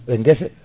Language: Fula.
e guesse